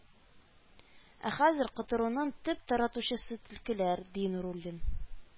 Ә хәзер котыруның төп таратучысы төлкеләр , ди Нуруллин